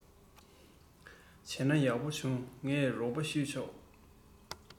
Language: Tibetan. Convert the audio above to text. བྱས ན ཡག པོ བྱུང ངས རོགས པ ཞུས ཆོག